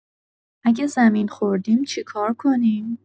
اگه زمین خوردیم چی کار کنیم؟